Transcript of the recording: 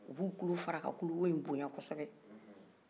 u b'u tulo fara ka tulowo in boyan kɔsɔbɛ